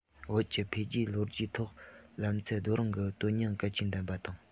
བོད ཀྱི འཕེལ རྒྱས ལོ རྒྱུས ཐོག ལམ ཚད རྡོ རིང གི དོན སྙིང གལ ཆེན ལྡན པ དང